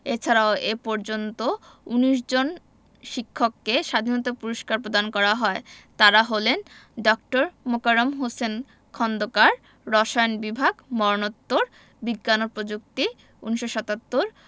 এছাড়াও এ পর্যন্ত ১৯ জন শিক্ষককে স্বাধীনতা পুরস্কার প্রদান করা হয় তাঁরা হলেন ড. মোকাররম হোসেন খন্দকার রসায়ন বিভাগ মরণোত্তর বিজ্ঞান ও প্রযুক্তি ১৯৭৭